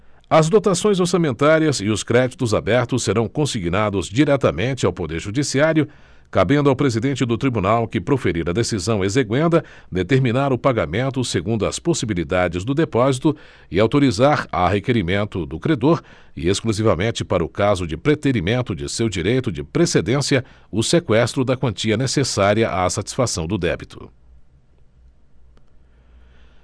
as dotações orçamentárias e os créditos abertos serão consignados diretamente ao poder judiciário cabendo ao presidente do tribunal que proferir a decisão exeqüenda determinar o pagamento segundo as possibilidades do depósito e autorizar a requerimento do credor e exclusivamente para o caso de preterimento de seu direito de precedência o seqüestro da quantia necessária à satisfação do débito